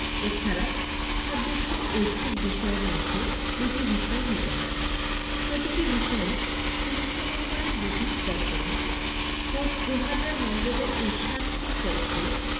এছাড়া ছাব্বিশটি ঐচ্ছিক বিষয়ের মধ্যে দুটি বিষয় নিতে হয় প্রতিটি বিষয়ে তিনশো নম্বরের দুটি পত্র থাকে মোট দুহাজার নম্বরের এই সাতটি পত্রে